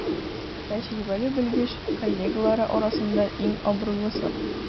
Тәҗрибәле белгеч коллегалары арасында иң абруйлысы.